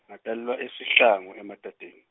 ngatalelwa eSihlangu eMadadeni.